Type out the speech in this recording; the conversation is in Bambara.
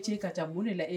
Ci ka taa boli la